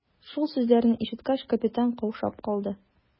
Шул сүзләрне ишеткәч, капитан каушап калды.